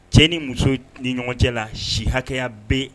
Cɛ ni muso ni ɲɔgɔncɛ la si hakɛya bɛ